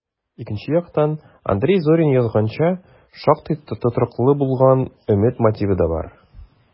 Икенче яктан, Андрей Зорин язганча, шактый тотрыклы булган өмет мотивы да бар: